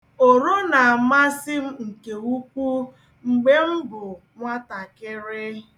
Oro na-amasị m nke ukwu mgbe m bụ nwatakịrị.